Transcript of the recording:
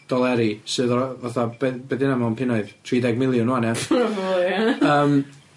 doleri, sydd o fatha, be' be' 'di wnna mewn punnoedd? Tri deg miliwn ŵan ia? Probably ia. Yym.